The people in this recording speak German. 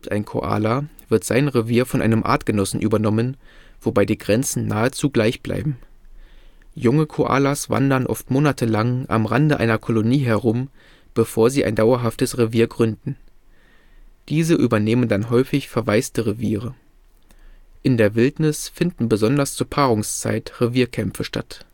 ein Koala, wird sein Revier von einem Artgenossen übernommen, wobei die Grenzen nahezu gleich bleiben. Junge Koalas wandern oft monatelang am Rande einer Kolonie herum, bevor sie ein dauerhaftes Revier gründen. Diese übernehmen dann häufig verwaiste Reviere. In der Wildnis finden besonders zur Paarungszeit Revierkämpfe statt